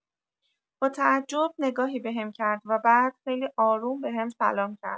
با تعجب نگاهی بهم کرد و بعد خیلی آروم بهم سلام کرد.